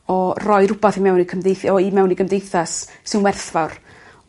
o roi rwbath i mewn i'r cymdeith- o i mewn i gymdeithas sy'n werthfawr